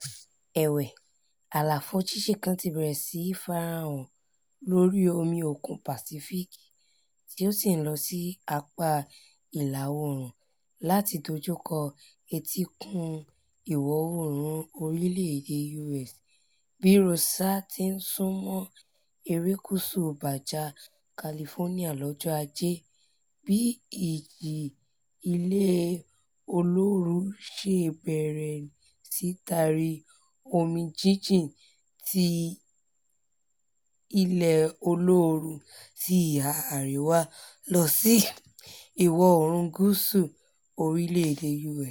Ẹ̀wẹ̀, àlàfo jìnjìn kan ti bẹ̀rẹ̀ sí farahàn lórí omi Òkun Pacific tí ó sì ńlọ sí apá ìlà-oòrùn láti dójúkọ Etíkun Ìwọ̀-oòrùn orílẹ̀-èdè U.S. Bí Rosa ti ńsúnmọ́ erékùsù Baja Carlifonia lọ́jọ́ ajé bíi ìjì ilẹ̀ olóoru yóò bẹ̀rẹ̀ sí taari omi jínjìn ti ilẹ̀ olóoru sí ìhà àríwá lọsí ìwọ̀-oòrùn gúúsù orilẹ̀-ede U.S.